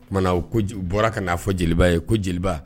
O tumana o bɔra ka n'a fɔ jeliba ye ko jeliba